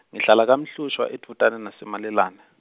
ngihlala kaMhlushwa edvutane naseMalelane.